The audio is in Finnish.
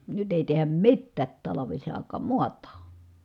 nyt ei tehdä mitään talvisaikaan maataan